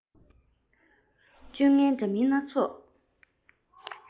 སྤྱོད ངན འདྲ མིན སྣ ཚོགས